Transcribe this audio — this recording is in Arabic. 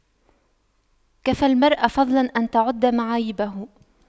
كفى المرء فضلا أن تُعَدَّ معايبه